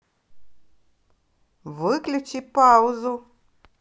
выключи паузу